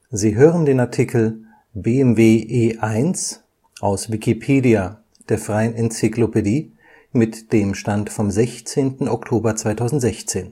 Sie hören den Artikel BMW E1, aus Wikipedia, der freien Enzyklopädie. Mit dem Stand vom Der